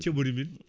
ceɓori min